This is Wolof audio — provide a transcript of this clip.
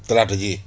talaata jii